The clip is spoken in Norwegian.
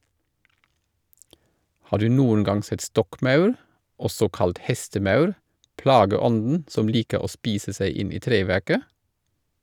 Har du noen gang sett stokkmaur, også kalt hestemaur, plageånden som liker å spise seg inn i treverket?